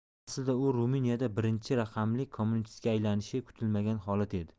aslida u ruminiyada birinchi raqamli kommunistga aylanishi kutilmagan holat edi